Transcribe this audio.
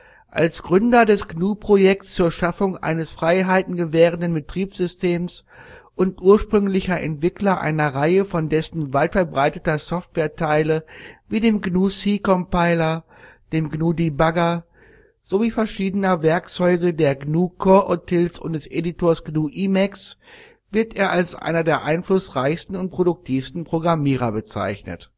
Als Gründer des GNU-Projekts (zur Schaffung eines Freiheiten-gewährenden Betriebssystems), und ursprünglicher Entwickler einer Reihe von dessen weit verbreiteter Softwareteile wie dem GNU C Compiler, dem GNU Debugger sowie verschiedener Werkzeuge der GNU coreutils und des Editor GNU Emacs, wird er als einer der einflussreichsten und produktivsten Programmierer bezeichnet